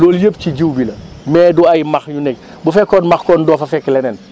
loolu yëpp ci jiw bi la mais du ay max yu ne bu fekkoon max kon doo fa fekk leneen